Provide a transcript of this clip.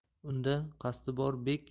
unda qasdi bor bek